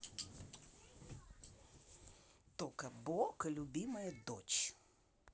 тока бока любимая дочь